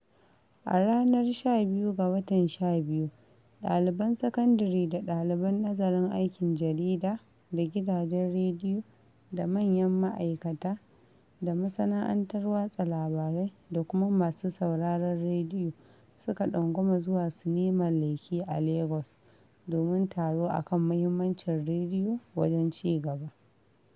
A ranar 12 ga watan 12, ɗaliban sakandire da ɗaliban nazarin aikin jarida da gidajen rediyo da manyan ma'aikata daga masana’antar watsa labarai da kuma masu sauraron rediyo suka ɗunguma zuwa sinimar Lekki a Lagos domin taro a kan muhimmancin rediyo wajen ci-gaba.